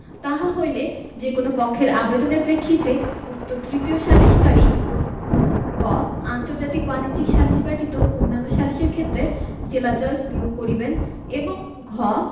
তাহা হইলে যে কোন পক্ষের আবেদনের প্রেক্ষিতে উক্ত তৃতীয় সালিসকারী গ আন্তর্জাতিক বাণিজ্যিক সালিস ব্যতীত অন্যান্য সালিসের ক্ষেত্রে জেলাজজ নিয়োগ করিবেন এবং ঘ